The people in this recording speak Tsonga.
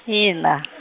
ina .